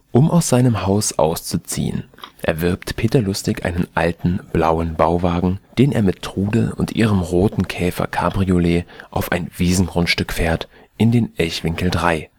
Um aus seinem Haus auszuziehen, erwirbt Peter Lustig einen alten, blauen Bauwagen, den er mit Trude und ihrem roten Käfer Cabriolet auf ein Wiesengrundstück fährt, in den Elchwinkel 3